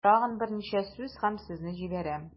Тагын берничә сүз һәм сезне җибәрәм.